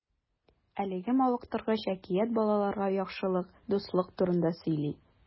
Әлеге мавыктыргыч әкият балаларга яхшылык, дуслык турында сөйли.